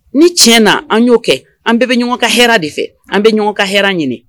Ni tiɲɛ na an yo kɛ . An bɛɛ be ɲɔgɔn ka hɛra de fɛ. An bi ɲɔgɔn ka hɛra de ɲini